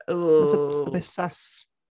Ww... That's a bit sus.